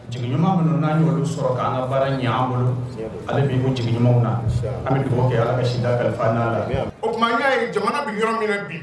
Jigi ɲuman minnu'an' sɔrɔ an ka baara ɲɛ an bolo ale b'i ko ɲumanw na an bɛ dɔgɔkɛ ala bɛ sin da kalifa' la o tuma ye jamana bɛ yɔrɔ minɛ bi